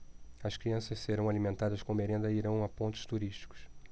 as crianças serão alimentadas com merenda e irão a pontos turísticos